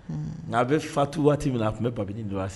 Ŋa a be fatu waati min na a tun be babinin don a s